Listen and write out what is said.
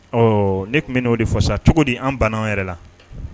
Ne tun bɛ'o de fasa cogo di an bana yɛrɛ la